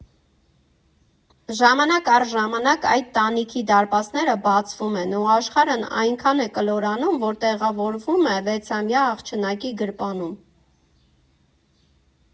Ժամանակ առ ժամանակ այդ տանիքի դարպասները բացվում են ու աշխարհն այնքան է կլորանում, որ տեղավորվում է վեցամյա աղջնակի գրպանում։